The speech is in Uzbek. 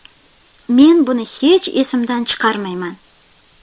men buni hech esimdan chiqarmayman